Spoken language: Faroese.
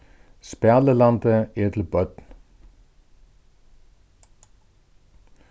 spælilandið er til børn